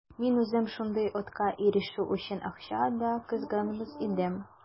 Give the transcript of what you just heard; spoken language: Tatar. Мин үзем шундый атка ирешү өчен акча да кызганмас идем.